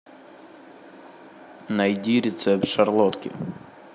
найди рецепт шарлотки